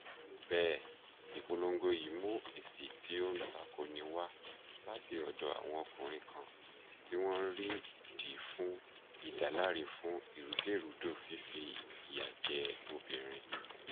Bẹ́ẹ̀, ìpolongo yìí mú èsì tí ó ń takoni wá láti ọ̀dọ̀ àwọn ọkùnrin kan tí wọ́n rí ìdí fún ìdáláre fún ìrúkèrúdò fífi ìyà jẹ obìnrin.